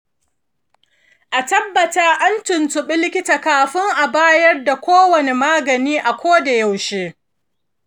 a tabbata an tuntuɓi likita kafin a bayar da kowane magani a koda yaushe.